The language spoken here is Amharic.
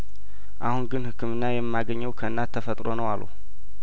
አሁን ግን ህክምና የማገኘው ከእናት ተፈጥሮ ነው አሉ